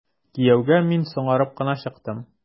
Кияүгә мин соңарып кына чыктым.